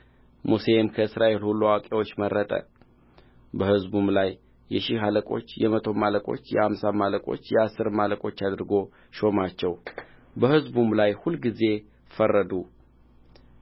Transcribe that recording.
ሙሴም ከእስራኤል ሁሉ አዋቂዎችን መረጠ በሕዝቡም ላይ የሺህ አለቆች የመቶም አለቆች የአምሳም አለቆች የአሥርም አለቆች አድርጎ ሾማቸው በሕዝቡም ላይ ሁልጊዜ ፈረዱ